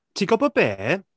Ti’n gwybod be?